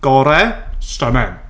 Got it? Stunning.